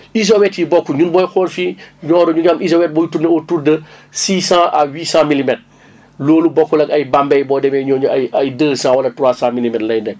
isomètres yi bokkuñ ñun booy xool fii Nioro ñu ngi am isomètre buy tourné autour de six cent à huit cent milimètres loolu bokkul ak ay Bambey boo demee ñooñu ay deux cent wala trois cent milimètres lay nekk